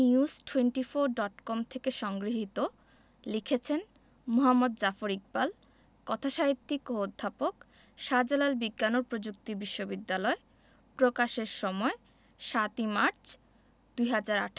Banglanews twenty four dot com থেকে সংগৃহীত লিখেছেন মুহাম্মদ জাফর ইকবাল কথাসাহিত্যিক ও অধ্যাপক শাহজালাল বিজ্ঞান ও প্রযুক্তি বিশ্ববিদ্যালয় প্রকাশের সময় ০৭ই মার্চ